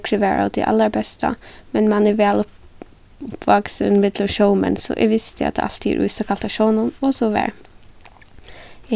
veðrið var av tí allarbesta men mann er væl uppvaksin millum sjómenn so eg visti at tað altíð er ísakalt á sjónum og so var